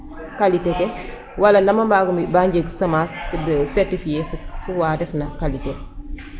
da mbaag o anda den waye da mbaag o and me da mbaagna rañe'it qualité ke wala nam a mbaagu mbi' ba njeg semence de certifié wa ndef na qualité .